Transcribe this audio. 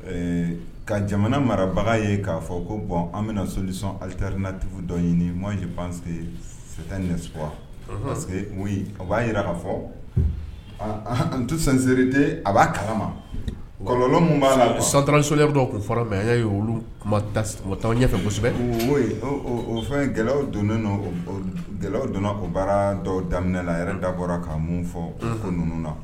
Ɛɛ ka jamana marabaga ye k'a fɔ ko bɔn an bɛna na solisɔn aliriinatifu dɔ ɲini ma banse sɛs a b'a jira k ka fɔ an tɛ sanseri de a b'a kalama galɔ b'a lataransoli dɔ' fara mɛ y ye oluta ɲɛfɛsɛbɛ o fɛn gɛlɛya donnen gɛlɛya donna o baara dɔw daminɛ la yɛrɛ da bɔra' mun fɔ ko ninnu na